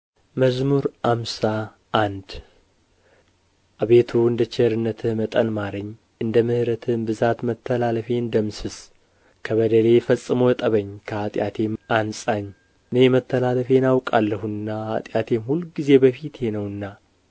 መዝሙር ሃምሳ አንድ አቤቱ እንደ ቸርነትህ መጠን ማረኝ እንደ ምሕረትህም ብዛት መተላለፌን ደምስስ ከበደሌ ፈጽሞ እጠበኝ ከኃጢአቴም አንጻኝ እኔ መተላለፌን አውቃለሁና ኃጢአቴም ሁልጊዜ በፊቴ ነውና